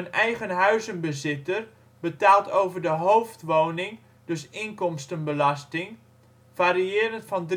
eigenhuizenbezitter betaalt over de hoofdwoning dus inkomstenbelasting (variërend van